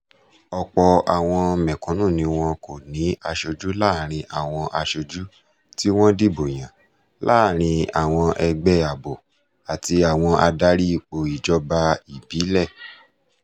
Ọ̀pọ̀ àwọn mẹ̀kúnù ni wọ́n kò ní aṣojú láàárín àwọn aṣojú tí wọ́n dìbò yàn, láàárín àwọn ẹgbẹ́ àbò àti àwọn adarí ipò ìjọba ìbílẹ̀.